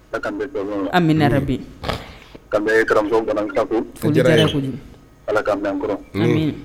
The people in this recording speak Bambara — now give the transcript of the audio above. Ala k'an bɛn sababa ma, amina yarabi, foli diyara n ye kojuguAla k'a mɛn an kɔrɔ, amin